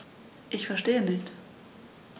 Ich verstehe nicht.